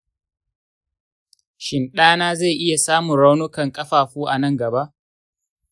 shin ɗana zai iya samun raunukan ƙafafu a nan gaba?